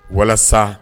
Walasa